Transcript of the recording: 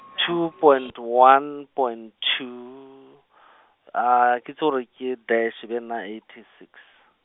two point one point two, ke itse gore ke dash e be e nna six.